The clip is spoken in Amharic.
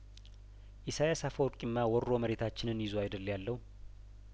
ኢሳያስ አፈወርቂማ ወሮ መሬታችንን ይዞ አይደል ያለው